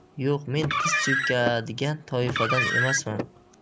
yo'q men tiz cho'kadigan toifadan emasman